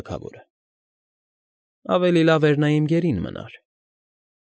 Թագավորը։ Ավելի լավ էր, նա իմ գերին մնար։